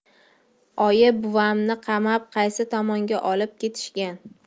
oyi buvamni qamab qaysi tomonga olib ketishgan